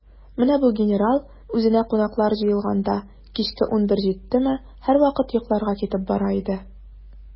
Менә бу генерал, үзенә кунаклар җыелганда, кичке унбер җиттеме, һәрвакыт йокларга китеп бара иде.